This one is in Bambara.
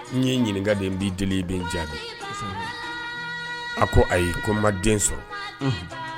N ye i ɲininka de n b'i deeli i bɛ n jaabi , a ko ayi, ko ma den sɔrɔ!